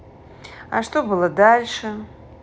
а что было дальше